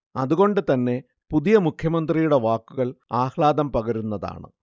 അതുകൊണ്ടുതന്നെ പുതിയ മുഖ്യമന്ത്രിയുടെ വാക്കുകൾ ആഹ്ലാദം പകരുന്നതാണ്